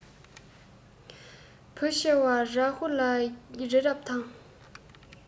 བུ ཆེ བ རཱ ཧུས རི རབ ལ